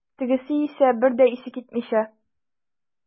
Тегесе исә, бер дә исе китмичә.